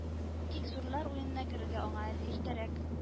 Тик зурлар уенына керергә аңа әле иртәрәк